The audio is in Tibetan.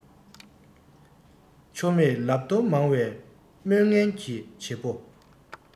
ཆོ མེད ལབ བརྡོལ མང བའི དམོན ངན གྱི བྱེད པོ